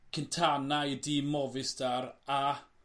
Quintana i dîm Moviestar a